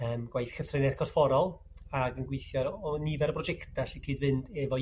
yrm gwaith llythreniaeth corfforol ac yn gw'ithio o nifer o brojecta' sy cyd-fynd efo